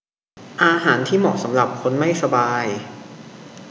อาหารที่เหมาะสำหรับคนไม่สบาย